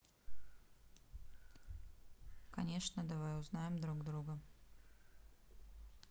конечно давай узнаем друг друга